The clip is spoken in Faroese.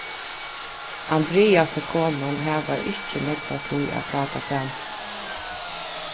andreas og konan hava ikki nógva tíð at práta saman